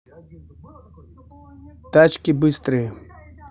тачки быстрые